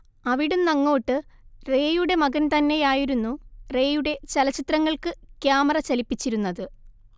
അവിടുന്നങ്ങോട്ട് റേയുടെ മകൻ തന്നെയായിരുന്നു റേയുടെ ചലച്ചിത്രങ്ങൾക്ക് ക്യാമറ ചലിപ്പിച്ചിരുന്നത്